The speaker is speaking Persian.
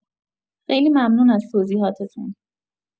خیلی ممنون از توضیحاتتون